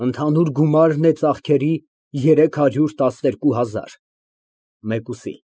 Ընդհանուր գումարն է ծախսերի՝ երեք հարյուր տասներկու հազար… (Մեկուսի)։